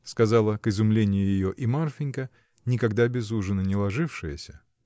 — сказала, к изумлению ее, и Марфинька, никогда без ужина не ложившаяся.